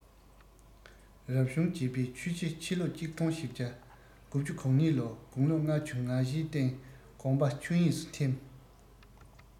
རབ བྱུང བརྒྱད པའི ཆུ བྱི ཕྱི ལོ ༡༤༩༢ ལོར དགུང ལོ ལྔ བཅུ ང བཞིའི སྟེང དགོངས པ ཆོས དབྱིངས སུ འཐིམས